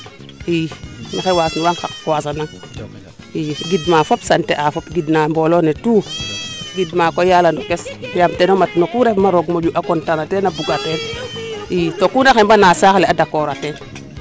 i maxey waasnu wang xaq wasanang i gidma fop sant a fop gidma mbolo ne tout gidma koy yaala ndokes yaam teno mat no kuu refma roog moƴu a content na teen a buga teen i to kuna xembana saax le a d'fra accord a teen